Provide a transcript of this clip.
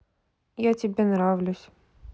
я тебе нравлюсь